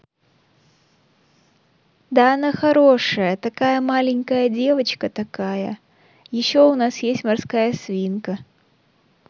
да она хорошая такая маленькая девочка такая еще у нас есть морская свинка